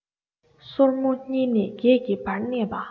སོར མོ གཉིས ནས བརྒྱད ཀྱི བར གནས པ